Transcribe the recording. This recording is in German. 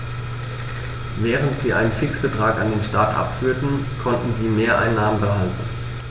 Während sie einen Fixbetrag an den Staat abführten, konnten sie Mehreinnahmen behalten.